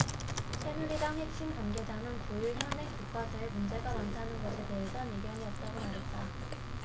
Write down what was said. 새누리당 핵심 관계자는 구 일 현행 교과서에 문제가 많다는 것에 대해선 이견이 없다고 말했다